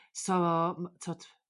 So m- t'od